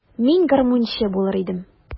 Мин гармунчы булыр идем.